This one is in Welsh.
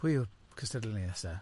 Pwy yw'r cystadleuydd nesa'?